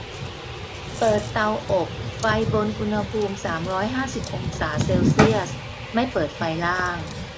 เปิดเตาอบไฟบนอุณหภูมิสามร้อยห้าสิบองศาเซลเซียสไม่เปิดไฟล่าง